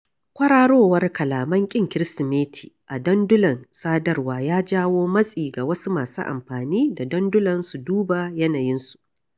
Kwararowar kalaman ƙin Kirsimeti a dandulan sadarwa ya jawo matsi ga wasu masu amfani da dandulan su duba yanayinsu.